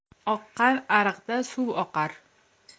oqqan ariqdan suv oqar